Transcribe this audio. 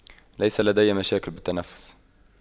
ليس لدي مشاكل بالتنفس